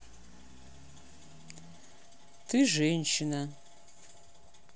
ты женщина